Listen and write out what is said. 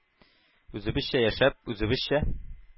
Үзебезчә яшәп, үзебезчә